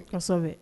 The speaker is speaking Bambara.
Kasɔ